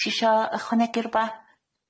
Tisio ychwanegu rwbath?